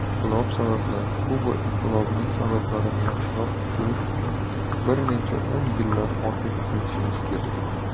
inqilob sabablarikuba inqilobining sabablarini yaxshiroq tushunish uchun bir necha o'n yillar orqaga qaytishimiz kerak